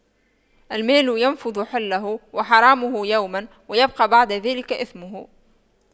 المال ينفد حله وحرامه يوماً ويبقى بعد ذلك إثمه